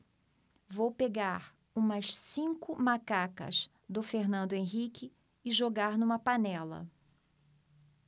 vou pegar umas cinco macacas do fernando henrique e jogar numa panela